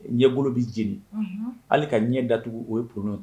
Ɲɛbolo bɛ jeni hali ka ɲɛ dat o ye poroo